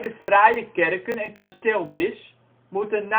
fraaie kerken en kasteel Wisch moeten